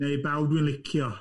Neu i bawb dwi'n licio .